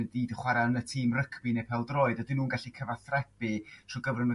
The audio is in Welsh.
i chwara' yn y tîm rygbi'n neu pêl-droed ydyn n'w'n gallu cyfathrebu trwy gyfrwng y